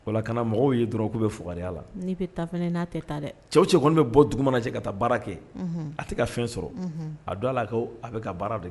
Wala kana mɔgɔw ye dɔrɔn, k'u bɛ fugariya la, n'i bɛ taa fana, i n'a tɛ taa dɛ, cɛ o cɛ kɔni bɛ bɔ dugu mana jɛ ka taa baara kɛ, unhun, a tɛ ka fɛn sɔrɔ, unhun, a dɔn a la k' a bɛ ka baara de kɛ